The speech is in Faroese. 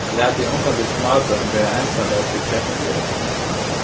latið ongantíð smábørn vera einsamøll við kertuljósum